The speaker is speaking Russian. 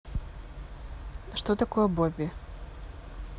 что такое бобби